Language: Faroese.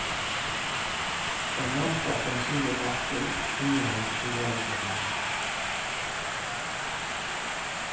ein námsætlan sigur alt um innihaldið í lærugreinini